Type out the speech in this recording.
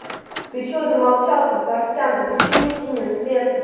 ты че замолчал то парсян ты почему синего света